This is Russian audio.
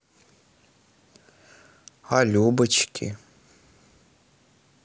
а любочки